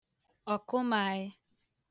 ọ̀kụmaàyị